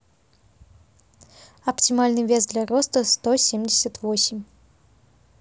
оптимальный вес для роста сто семьдесят восемь